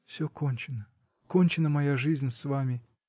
все кончено, кончена моя жизнь с вами.